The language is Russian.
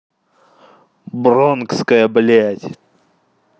бронкская блядь